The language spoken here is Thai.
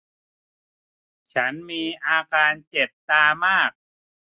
ฉันมีอาการเจ็บตามาก